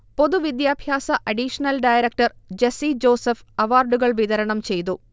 പൊതുവിദ്യാഭ്യാസ additional director Jessy Joseph അവാർഡുകൾ വിതരണംചെയ്തു